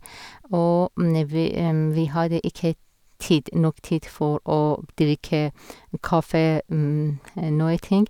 Og vi vi hadde ikke tid nok tid for å drikke kaffe, noenting.